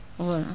waaw